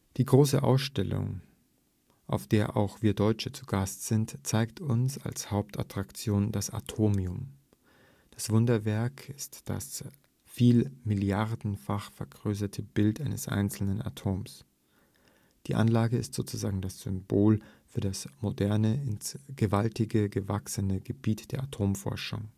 Die große Ausstellung, auf der auch wir Deutsche zu Gast sind, zeigt uns als Haupt-Attraktion das ' Atomium '. Das Wunderwerk ist das vielmilliardenfach vergrößerte Bild eines einzelnen Atoms. Die Anlage ist sozusagen das Symbol für das moderne, ins Gewaltige gewachsene Gebiet der Atomforschung